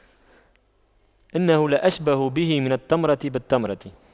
إنه لأشبه به من التمرة بالتمرة